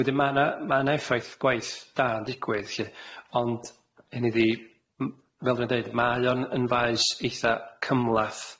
Wedyn ma' na ma' na effaith gwaith da'n digwydd lly ond hynny di m- fel dwi'n deud mae o'n yn faes eitha cymlath.